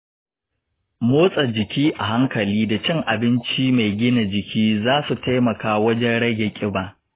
motsa jiki a hankali da cin abinci mai gina jiki za su taimaka wajen rage kiba.